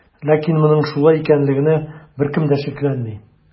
Ләкин моның шулай икәнлегенә беркем дә шикләнми.